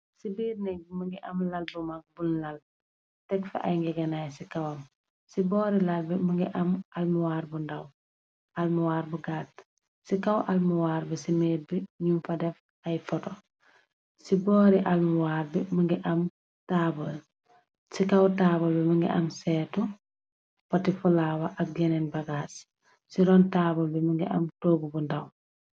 Si birr neek mungi am lala bu mak bunye lal tekfa aye ngegenai si kawam si bori lal bi mungi am almowar bu ndaw almowar bu gattuh si kaw almowar bi nyung fa def aye photo si bori almowar bi mungi am tabul, tabul bi mungi am setu flower ak yenen bagas